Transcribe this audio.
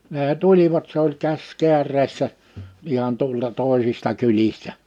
ne tulivat se oli käsi kääreessä ihan tuolta toisista kylistä